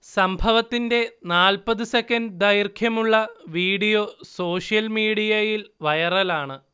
സംഭവത്തിന്റെ നാല്‍പ്പത് സെക്കൻഡ് ദൈർഘ്യമുള്ള വീഡിയോ സോഷ്യൽ മീഡിയയിൽ വൈറലാണ്